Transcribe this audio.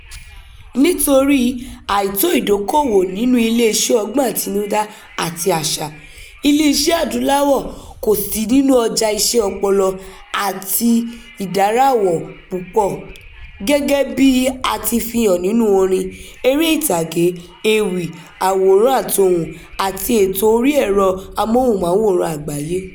Nítorí àìtó ìdókoòwò nínú iléeṣẹ́ ọgbọ́n àtinudá àti àṣà, Ilẹ̀-Adúláwọ̀ kò sí nínú ọjà iṣẹ́ ọpọlọ, àti ìdáraáwò púpọ̀ gẹ́gẹ́ bí a ti fi hàn nínú orin, eré ìtàgé, ewì, àwòrán-àtohùn àti ètò orí ẹ̀rọ amóhùnmáwòrán àgbáyé.